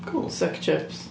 Suck chups